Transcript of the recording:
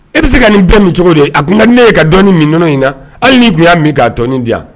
E bɛ se ka nin bɛɛ min cogo d? A tun ka di ne ye ka dɔɔnin min nɔnɔ in na, hali n'i tun y'a min k'a tɔnin di yan.